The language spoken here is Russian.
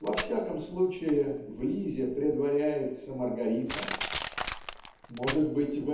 во всяком случае, в Лизе предваряется Маргарита. Может быть